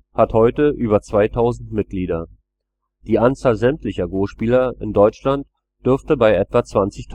hat heute über 2000 Mitglieder. Die Anzahl sämtlicher Go-Spieler in Deutschland dürfte bei etwa 20.000